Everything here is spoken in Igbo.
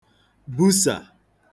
busà